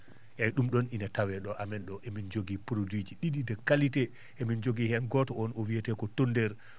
eeyi ɗum ɗon ine taweɗo amen ɗo emin jogii produit ji ɗiɗi de qualité emin jogii heen gooto on o wiyetee ko tondeur